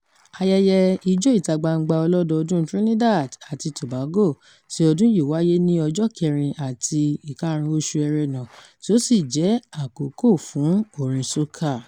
Ayẹyẹ ijó ìta-gbangba ọlọ́dọọdún Trinidad àti Tobago tí ọdún yìí wáyé ní ọjọ́ 4 àti 5 oṣù Ẹrẹ́nà, tí ó sì jẹ́ àkókò fún orin soca.